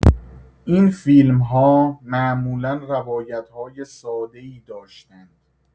این فیلم‌ها معمولا روایت‌های ساده‌ای داشتند.